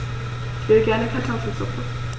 Ich will gerne Kartoffelsuppe.